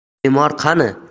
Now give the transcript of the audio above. bemor qani